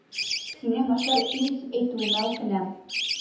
Сине начар ир дип әйтүемә үкенәм.